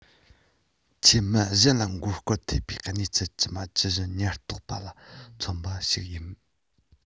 ཁྱེད མི གཞན ལ མགོ སྐོར ཐེབས པའི གནས ཚུལ ཇི མ ཇི བཞིན ཉེན རྟོག པ ལ མཚོན པ ཞིག ཡིན